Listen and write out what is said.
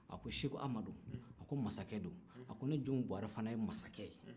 a ko seko amadu mansakɛ don a ko ne junmu buwarɛ fana ye mansakɛ ye